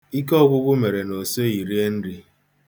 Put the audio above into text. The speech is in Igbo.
Ikeọ̄gwụ̄gwụ̄ mere na o soghị rie nri.